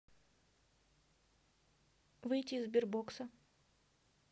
выйти из сбербокса